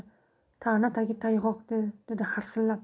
tana tagi tayg'oq dedi harsillab